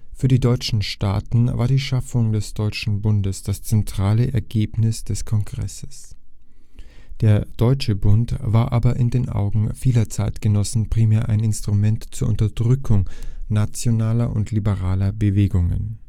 Für die deutschen Staaten war die Schaffung des Deutschen Bundes das zentrale Ergebnis des Kongresses. Der Deutsche Bund war aber in den Augen vieler Zeitgenossen primär ein Instrument zur Unterdrückung nationaler und liberaler Bewegungen